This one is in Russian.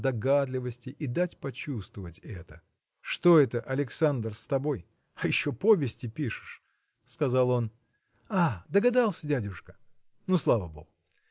догадливости и дать почувствовать это. – Что это, Александр, с тобой? А еще повести пишешь! – сказал он. – Ах, догадался, дядюшка! – Ну, слава богу!